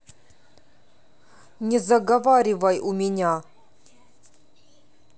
не заговаривай у меня